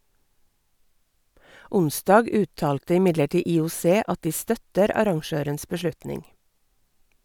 Onsdag uttalte imidlertid IOC at de støtter arrangørens beslutning.